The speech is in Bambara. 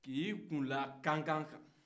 k'i kun da kankan kan